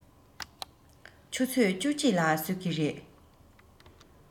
ཆུ ཚོད བཅུ གཅིག ལ གསོད ཀྱི རེད